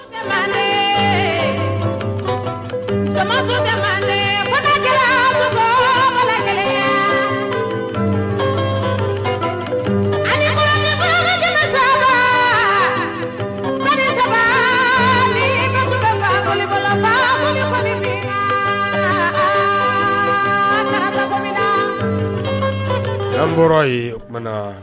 Den den la wa wa ka sokɛ boli sakari la an bɔra yen uumana na